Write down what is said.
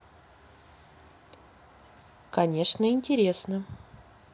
конечно интересно